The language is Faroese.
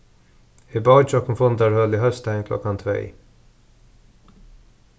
eg bóki okkum fundarhølið hósdagin klokkan tvey